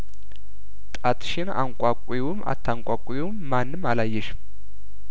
ጣትሽን አንቋቂውም አታንቋቂውም ማንም አላየሽም